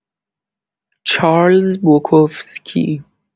چارلز بوکوفسکی